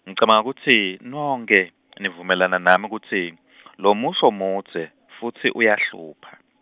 ngicabanga kutsi, nonkhe, nivumelana nami kutsi , lomusho mudze, futsi uyahlupha.